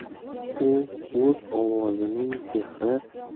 u o'z ovozining sehri